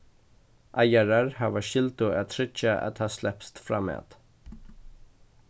eigarar hava skyldu at tryggja at tað slepst framat